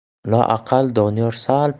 loaqal doniyor sal